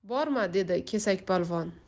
borma dedi kesakpolvon